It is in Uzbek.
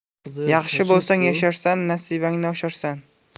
yaxshi bo'lsang yasharsan nasibangni osharsan